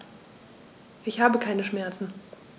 Ich habe keine Schmerzen.